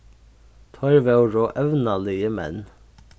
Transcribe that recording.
teir vóru evnaligir menn